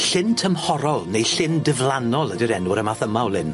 Llyn tymhorol neu llyn diflannol ydi'r enw ar y math yma o lyn.